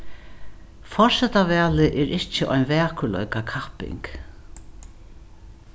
forsetavalið er ikki ein vakurleikakapping